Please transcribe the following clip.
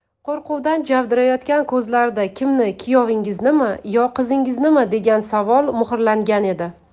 qo'rquvdan javdirayotgan ko'zlarida kimni kuyovingiznimi yo qizingiznimi degan savol muhrlangan edi